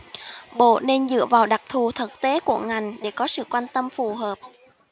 bộ nên dựa vào đặc thù thực tế của ngành để có sự quan tâm phù hợp